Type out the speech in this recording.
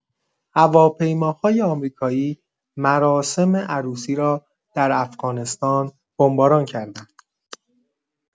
هواپیماهای آمریکایی مراسم عروسی را در افغانستان بمباران کردند.